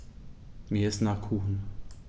Mir ist nach Kuchen.